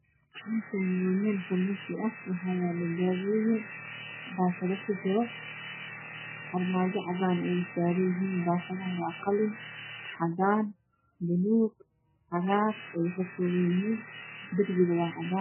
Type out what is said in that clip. Meeshan waa meel farmashi ah waaxaa yaalo daawooyin baakado kujiro armaajo cadaan ah ayay saaranyihiin baakadaha waa qalin cadan buluug cagaar ayay kakoobanyihiin darbiga waa cadaan